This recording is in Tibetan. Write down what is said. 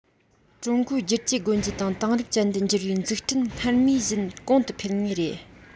ཀྲུང གོའི བསྒྱུར བཅོས སྒོ འབྱེད དང དེང རབས ཅན དུ འགྱུར བའི འཛུགས སྐྲུན སྔར མུས བཞིན གོང དུ འཕེལ ངེས རེད